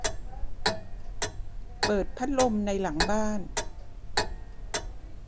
เปิดพัดลมในหลังบ้าน